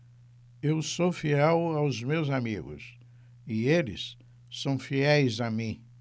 eu sou fiel aos meus amigos e eles são fiéis a mim